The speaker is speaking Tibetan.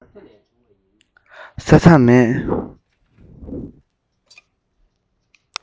ས མཚམས མེད